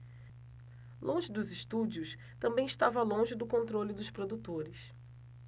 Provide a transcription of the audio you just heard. longe dos estúdios também estava longe do controle dos produtores